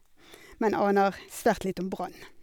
Men aner svært lite om Brann.